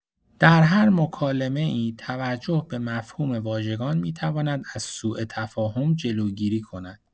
در هر مکالمه‌ای، توجه به مفهوم واژگان می‌تواند از سوءتفاهم جلوگیری کند.